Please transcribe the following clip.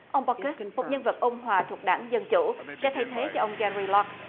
ông pho cớt một nhân vật ôn hòa thuộc đảng dân chủ cho thay thế cho ông ce ri lót